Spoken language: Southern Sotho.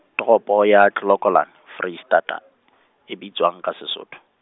toropo ya Clocolan, Foreisetata, e bitswang ka sesotho?